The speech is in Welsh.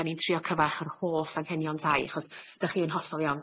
'dan ni'n trio cyfarch yr holl anghenion tai achos dach chi yn hollol iawn.